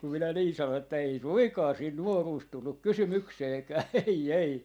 kun minä niin sanoin että ei suinkaan siinä nuoruus tullut kysymykseenkään ei ei